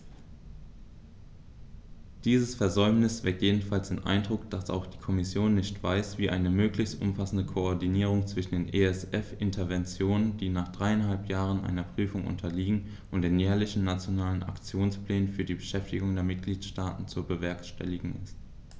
Dieses Versäumnis weckt jedenfalls den Eindruck, dass auch die Kommission nicht weiß, wie eine möglichst umfassende Koordinierung zwischen den ESF-Interventionen, die nach dreieinhalb Jahren einer Prüfung unterliegen, und den jährlichen Nationalen Aktionsplänen für die Beschäftigung der Mitgliedstaaten zu bewerkstelligen ist.